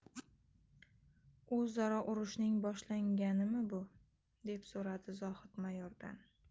o'zaro urushning boshlanganimi bu deb so'radi zohid mayordan